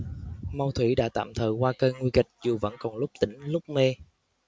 mâu thủy đã tạm thời qua cơn nguy kịch dù vẫn còn lúc tỉnh lúc mê